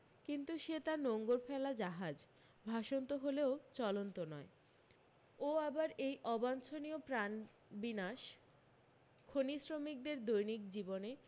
কিন্তু সে তা নঙর ফেলা জাহাজ ভাসন্ত হলেও চলন্ত নয় ও আবার এই অবাঞ্ছনীয় প্রাণবিনাশ খনি শ্রমিকদের দৈনিক জীবনে